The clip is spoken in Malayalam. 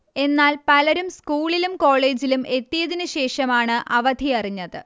എന്നാൽ പലരും സ്കൂളിലും കോളേജിലും എത്തിയതിന് ശേഷമാണ് അവധിയറിഞ്ഞത്